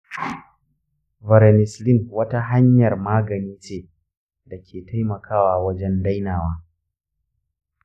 varenicline wata hanyar magani ce da ke taimakawa wajen dainawa.